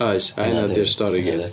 Oes a hynna 'di'r stori i gyd.